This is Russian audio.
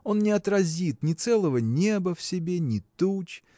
он не отразит ни целого неба в себе, ни туч